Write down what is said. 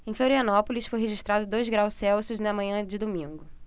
em florianópolis foi registrado dois graus celsius na manhã de domingo